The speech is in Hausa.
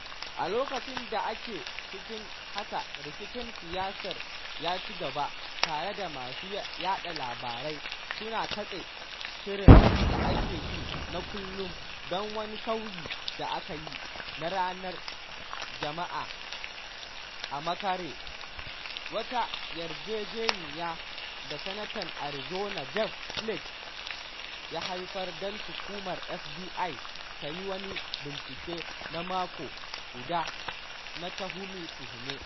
A loƙacin da ake cikin haka, rikicin siyasar ya ci gaba, tare da masu yaɗa labarai suna kattse shirin da ake yi na kullum don wani sauyi da aka yi na ranar Juma’a a makare: wata yarjejeniya da Sanatan Arizona Jeff Flake ya haifar don Hukumar FBI ta yi wani bincike na mako guda na tuhume-tuhumen.